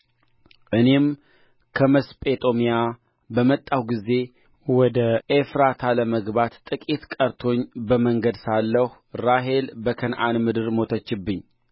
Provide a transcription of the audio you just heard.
እኔም ከመስጴጦምያ በመጣሁ ጊዜ ወደ ኤፍራታ ለመግባት ጥቂት ቀርቶኝ በመንገድ ሳለሁ ራሔል በከነዓን ምድር ሞተችብኝ